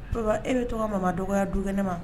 Cɛkɔrɔba e bɛ tɔgɔ ma dɔgɔya du kɛnɛ ne ma